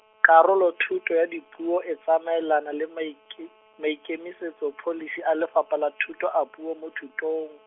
Karolothuto ya Dipuo e tsamaelana le maike-, maikemisetsopholisi a Lefapha la Thuto a puo mo thutong.